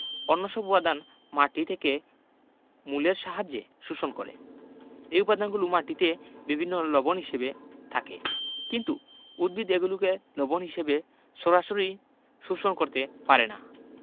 অন্যসব উপাদান মাটি থেকে মূলের সাহায্যে শুষণ করে এ উপাদানগুলো মাটিতে বিভিন্ন লবণ হিসেবে থাকে কিন্তু উদ্ভিদ এগুলোকে লবণ হিসেবে সরাসরি শোষণ করতে পারে না